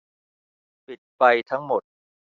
ปิดไฟทั้งหมด